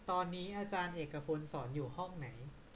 ตอนนี้อาจารย์เอกพลสอนอยู่ห้องไหน